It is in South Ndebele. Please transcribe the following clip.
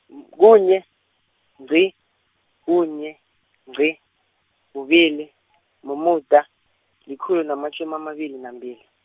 kunye, ngqi, kunye, ngqi, kubili, mumuda, likhulu namatjhumi amabili nambili.